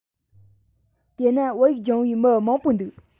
དེས ན བོད ཡིག སྦྱོང བའི མི མང པོ འདུག